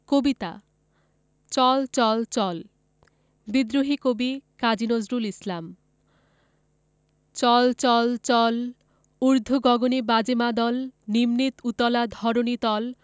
কবিতা চল চল চল বিদ্রোহী কবি কাজী নজরুল ইসলাম চল চল চল ঊর্ধ্ব গগনে বাজে মাদল নিম্নে উতলা ধরণি তল